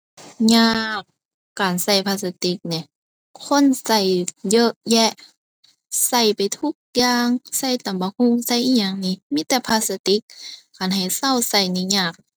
ยาก การใช้พลาสติกหนิ คนใช้เยอะแยะ ใช้ไปทุกอย่าง ใส่ตำบักหุ่ง ใส่อิหยังนี่มีแต่พลาสติก คันให้เซาใช้นี่ยาก